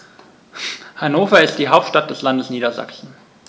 Hannover ist die Hauptstadt des Landes Niedersachsen.